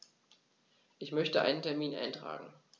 Ich möchte einen Termin eintragen.